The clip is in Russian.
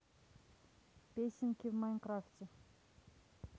песенки в майнкрафте